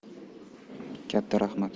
katta rahmat